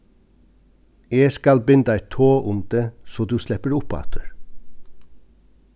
eg skal binda eitt tog um teg so tú sleppur upp aftur